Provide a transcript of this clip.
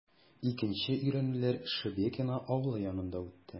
Икенче өйрәнүләр Шебекиио авылы янында үтте.